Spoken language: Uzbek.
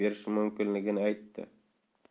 berish mumkinligini aytdi